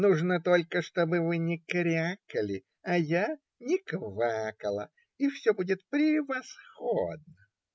Нужно только, чтобы вы не крякали, а я не квакала, и все будет превосходно.